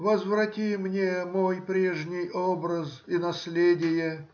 возврати мне мой прежний образ и наследие.